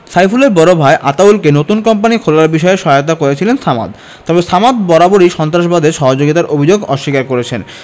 সাইফুলের বড় ভাই আতাউলকে নতুন কোম্পানি খোলার বিষয়ে সহায়তা করেছিলেন সামাদ তবে সামাদ বারবারই সন্ত্রাসবাদে সহযোগিতার অভিযোগ অস্বীকার করছেন